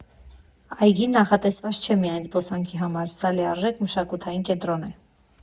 Այգին նախատեսված չէ միայն զբոսանքի համար, սա լիարժեք մշակութային կենտրոն է։